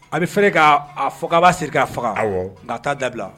A bi fɛrɛ ka fɔ ka ba siri ka faga awɔ . Nga ta dabila.